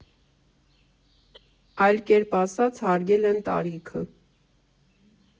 Այլ կերպ ասած՝ հարգել են տարիքը։